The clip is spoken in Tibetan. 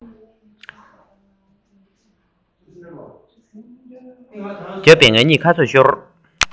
བརྒྱབ པས ང གཉིས ཁ རྩོད ཤོར